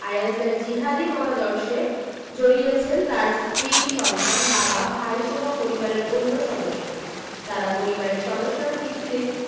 আইএসের জিহাদি মতাদর্শে জড়িয়েছেন তাঁর স্ত্রী সন্তান বাবা ভাইসহ পরিবারের অন্য সদস্যরা তাঁর পরিবারের সদস্যরা কিছুদিন